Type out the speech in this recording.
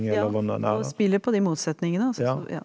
ja og spiller på de motsetningene altså så ja.